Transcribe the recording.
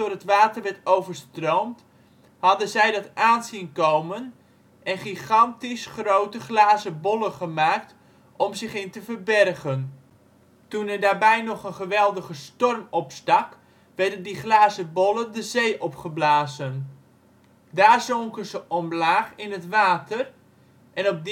het water werd overstroomd, hadden zij dat aan zien komen en gigantisch grote glazen bollen gemaakt om zich in te verbergen. Toen er daarbij nog een geweldige storm opstak, werden die glazen bollen de zee opgeblazen. Daar zonken ze omlaag in het water en